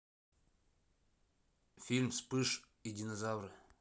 мультфильм вспыш и динозавры